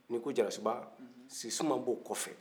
ni ko jarasouba sisuma bo kɔfɛ